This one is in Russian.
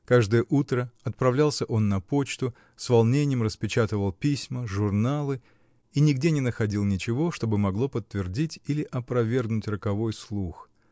Каждое утро отправлялся он на почту, с волненьем распечатывал письма, журналы -- и нигде не находил ничего, что бы могло подтвердить или опровергнуть роковой слух.